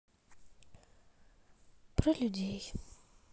про людей